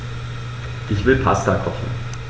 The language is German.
Ich will Pasta kochen.